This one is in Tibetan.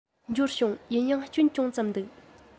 འབྱོར བྱུང ཡིན ཡང སྐྱོན ཅུང ཙམ འདུག